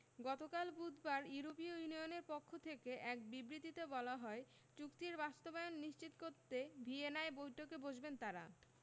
গতকাল বুধবার ইউরোপীয় ইউনিয়নের পক্ষ থেকে এক বিবৃতিতে বলা হয় চুক্তির বাস্তবায়ন নিশ্চিত করতে ভিয়েনায় বৈঠকে বসবেন তাঁরা